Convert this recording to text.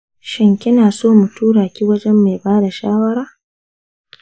shin kinaso mu turaki wajen mai bada shawara?